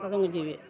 façon jiw yi